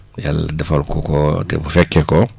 yàlla defal ko ko te mu fekke ko